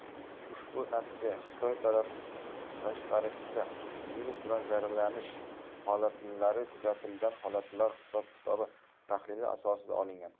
ushbu natija xitoy tashqarisida virus bilan zararlanish holatlari kuzatilgan holatlar hisob kitobi tahlili asosida olingan